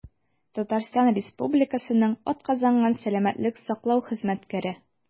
«татарстан республикасының атказанган сәламәтлек саклау хезмәткәре»